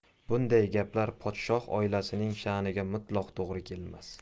bunday gaplar podshoh oilasining shaniga mutlaqo to'g'ri kelmas